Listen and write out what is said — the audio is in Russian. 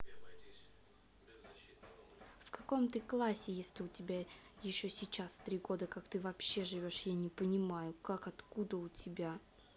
в каком ты классе если у тебя еще сейчас три года как ты вообще живешь я не понимаю как откуда у тебя